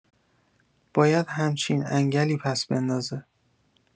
باید همچین انگلی پس بندازه